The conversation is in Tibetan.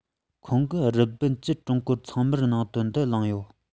ཁོང གིས རི པིན གྱིས ཀྲུང གོར ཚང མས གནད དོན འདི གླེང ཡོད